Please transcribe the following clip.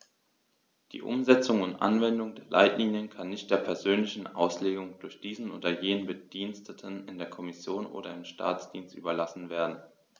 Die Umsetzung und Anwendung der Leitlinien kann nicht der persönlichen Auslegung durch diesen oder jenen Bediensteten in der Kommission oder im Staatsdienst überlassen werden.